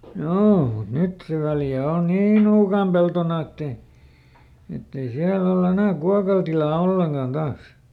joo mutta nyt se Väljä on niin nuukaan peltona että ei että ei siellä ole enää kuokalle tilaa ollenkaan taas